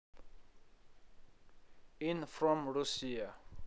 im from russia